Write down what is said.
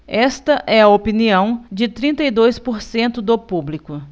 esta é a opinião de trinta e dois por cento do público